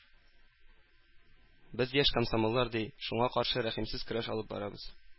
Без, яшь комсомоллар, ди, шуңар каршы рәхимсез көрәш алып барабыз.